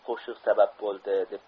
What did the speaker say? qo'shiq sabab bo'ldi